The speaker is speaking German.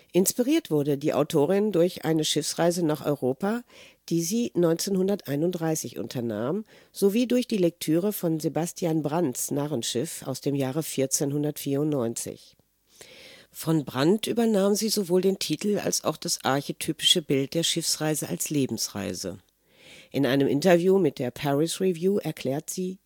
Inspiriert wurde die Autorin durch eine Schiffsreise nach Europa, die sie 1931 unternahm, sowie durch die Lektüre von Sebastian Brants Narrenschiff (1494). Von Brant übernahm sie sowohl den Titel als auch das archetypische Bild der Schiffsreise als Lebensreise. In einem Interview mit der Paris Review erklärte sie